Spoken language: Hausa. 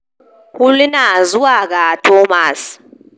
Huluna zuwa ga Thomas.